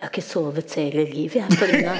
jeg har ikke sovet hele livet, jeg pga.